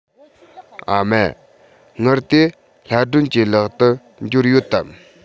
ཨ མ དངུལ དེ ལྷ སྒྲོན གྱི ལག ཏུ འབྱོར ཡོད དམ